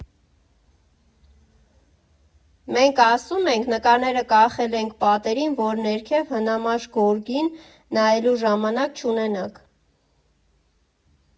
Մենք ասում ենք՝ նկարները կախել ենք պատերին, որ ներքև՝ հնամաշ գորգին նայելու ժամանակ չունենաք։